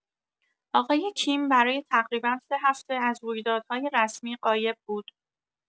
آقای کیم برای تقریبا سه هفته از رویدادهای رسمی غایب بود